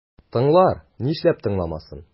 Тыңлар, нишләп тыңламасын?